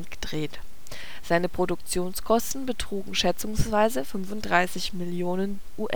gedreht. Seine Produktionskosten betrugen schätzungsweise 35 Millionen US-Dollar